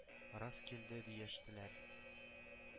Рас килде», — диештеләр.